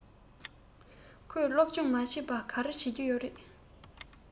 ཁོས སློབ སྦྱོང མ བྱས པར ག རེ བྱེད ཀྱི ཡོད རས